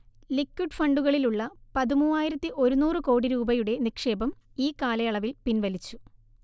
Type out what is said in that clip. liquid ഫണ്ടുകളിലുള്ള പതിമൂവായിരത്തി ഒരു നൂറ് കോടി രൂപയുടെ നിക്ഷേപം ഈകാലയളവിൽ പിൻവലിച്ചു